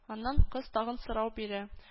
Аннан кыз тагын сорау бирә: